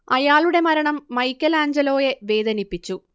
അയാളുടെ മരണം മൈക്കെലാഞ്ചലോയെ വേദനിപ്പിച്ചു